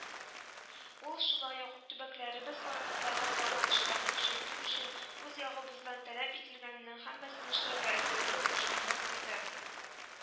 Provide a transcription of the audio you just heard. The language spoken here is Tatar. Ул, шулай ук, төбәкләребез арасындагы багланышларны көчәйтү өчен үз ягыбыздан таләп ителгәннең һәммәсен эшләргә әзербез, дип ышандырып куйды